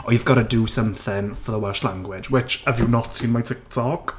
Or you've got to do something for the Welsh language. Which, have you not seen my TikTok?